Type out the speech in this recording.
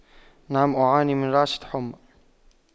نعم أعاني من رعشة حمى